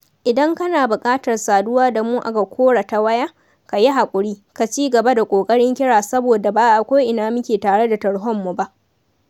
“Idan kana buƙatar saduwa da mu a Ngakoro ta waya, ka yi haƙuri, ka ci gaba da ƙoƙarin kira saboda ba a ko'ina muke tare da tarhonmu ba.